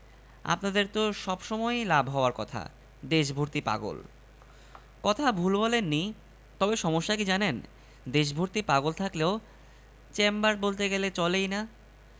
রসআলো feature হতে সংগৃহীত লিখেছেনঃ মিকসেতু মিঠু প্রকাশের সময়ঃ ২৩ জুলাই ২০১৮ সময়ঃ ১১টা ১১মিনিট আপডেট ২৩ জুলাই ২০১৮ সময়ঃ ১২টা ৪৭মিনিট